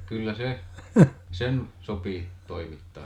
kyllä se sen sopii toimittaa